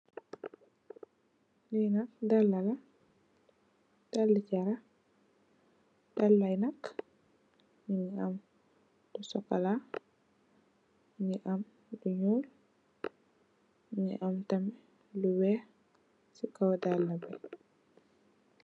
Li nak dalla la, dalli carax. Dalla yi nak ñu ngi am lu sokola, ñu ngi am lu ñuul, ñu ngi am tamit lu wèèx ci kaw dalla bi.